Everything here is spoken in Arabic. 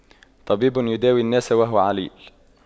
طبيب يداوي الناس وهو عليل